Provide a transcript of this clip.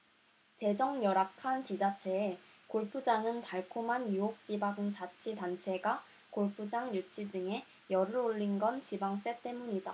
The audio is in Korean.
재정 열악한 지자체에 골프장은 달콤한 유혹지방자치단체가 골프장 유치 등에 열을 올린 건 지방세 때문이다